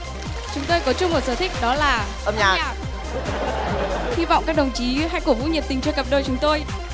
chúng tôi có chung một sở thích đó là âm nhạc hy vọng các đồng chí hãy cổ vũ nhiệt tình cho cặp đôi chúng tôi